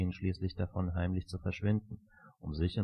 schließlich davon, heimlich zu verschwinden, um sich